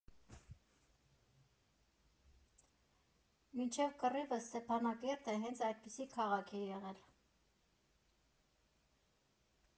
Մինչև կռիվը Ստեփանակերտը հենց այդպիսի քաղաք է եղել։